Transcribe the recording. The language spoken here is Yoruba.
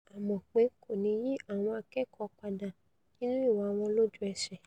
A mọ̀pé kòní yí àwọn akẹ́kọ̀ọ́ padà' nínú ìwà wọn lójú-ẹṣẹ̀.